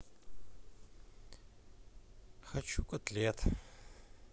хочу котлет